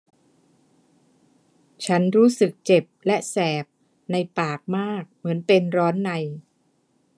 ฉันรู้สึกเจ็บและแสบในปากมากเหมือนเป็นร้อนใน